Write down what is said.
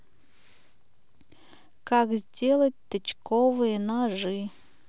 как сделать тычковые ножи